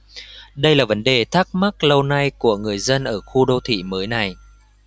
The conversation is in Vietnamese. đây là vấn đề thắc mắc lâu nay của người dân ở khu đô thị mới này